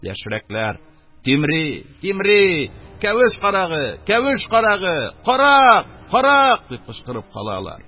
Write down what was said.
Яшьрәкләр: — Тимри, Тимри... Кәвеш карагы, кәвеш карагы, карак... карак!.. — дип кычкырып калалар.